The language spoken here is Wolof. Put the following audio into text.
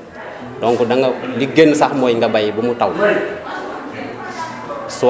donc da nga li gën sax mooy nga bàyyi ba mu taw